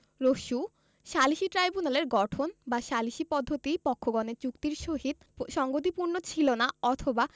উ সালিসী ট্রাইব্যুনালের গঠন বা সালিসী পদ্ধতি পক্ষগণের চুক্তির সহিত সংগতিপূর্ণ ছিল না অথবা